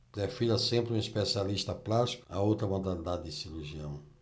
prefira sempre um especialista plástico a outra modalidade de cirurgião